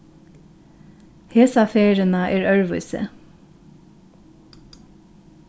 hesa ferðina er øðrvísi